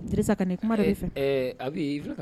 Bisa ka nin kuma a bɛ